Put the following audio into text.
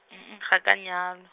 ga ka a nyalwa.